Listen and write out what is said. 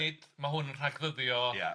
Nid, ma' hwn yn rhagddyddio